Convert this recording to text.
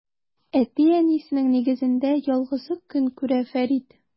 Әти-әнисенең нигезендә ялгызы көн күрә Фәрид.